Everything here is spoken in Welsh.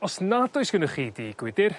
os nad oes gynnoch chi dŷ gwydyr